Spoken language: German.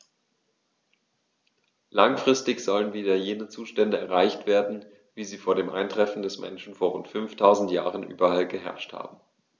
Langfristig sollen wieder jene Zustände erreicht werden, wie sie vor dem Eintreffen des Menschen vor rund 5000 Jahren überall geherrscht haben.